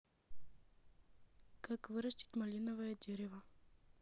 как вырастить малиновое дерево